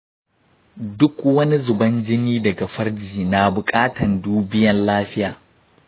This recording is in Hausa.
duk wani zuban jini daga farji na buƙatan dubiyan lafiya.